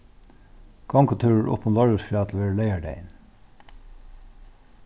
gongutúrur upp um leirvíksfjall verður leygardagin